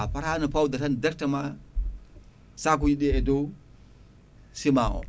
a fotani fawde tan directement sakuji jiɗi e dow ciment o